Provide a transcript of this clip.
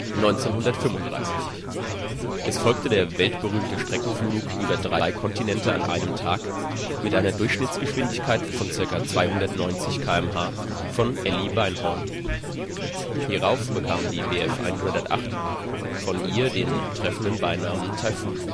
1935: Es folgte der weltberühmte Streckenflug über drei Kontinente an einem Tag (mit einer Durchschnittsgeschwindigkeit von ca. 290 km/h) von Elly Beinhorn. Hierauf bekam die Bf 108 von ihr den treffenden Beinamen „ Taifun